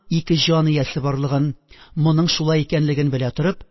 Ике җан иясе барлыгын, моның шулай икәнлеген белә торып